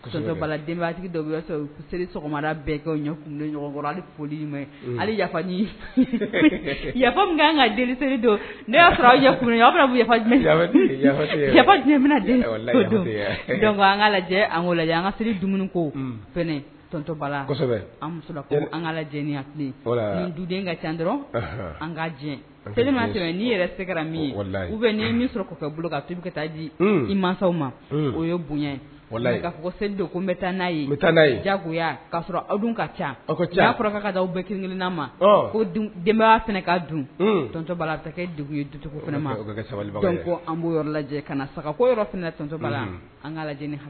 Dɔ ɲɛkun ɲɔgɔn ka seli don ne y'a sɔrɔ aw lajɛ lajɛ an ka seli dumuni kotɔ an muso ko an ka duden ka ca dɔrɔn an ka diɲɛ seli n'i yɛrɛ se min u bɛ min kɔfɛ bolo kabi ka taa di i mansaw ma o ye bonya' fɔ selidon ko n bɛ taa n'a ye jagoya'a sɔrɔ aw dun ka ca ka bɛina ma ko denbaya fana ka dun tɔntɔ ta kɛ dugu ye du fana ma an b' yɔrɔ lajɛ ka na saga ko yɔrɔto an ka